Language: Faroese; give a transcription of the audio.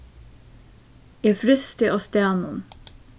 eg frysti á staðnum